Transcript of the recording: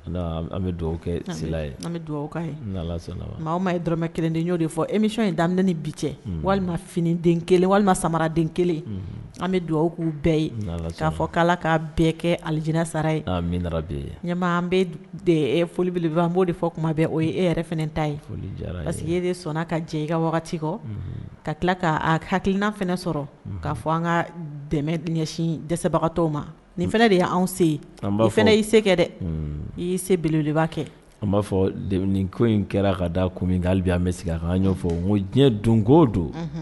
An bɛ dugawu kɛ an bɛ dugawuwa ye dɔrɔmɛ kelenden ɲɔo de fɔ emi in da ni bi cɛ walima finiden kelen walima samaraden kelen an bɛ dugawuwa'u bɛɛ ye k'a fɔ ala ka bɛɛ kɛ alidina sara ye min ɲama bɛ e folibelean b' de fɔ kuma bɛ o ye e yɛrɛ fana ta ye parce que e de sɔnna ka jɛ i ka wagati kɔ ka tila k' hakiliina sɔrɔ k'a fɔ an ka dɛmɛsin dɛsɛbagatɔw ma nin fana de y' anw sen o fana' se kɛ dɛ i seele de b'a kɛ an b'a fɔ ko in kɛra ka da kun min'bi' an bɛ sigi ka kan ɲɔgɔn fɔ diɲɛ don ko don